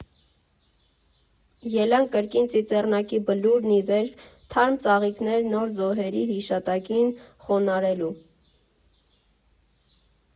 Ելանք կրկին Ծիծեռնակի բլուրն ի վեր՝ թարմ ծաղիկներ նոր զոհերի հիշատակին խոնարհելու։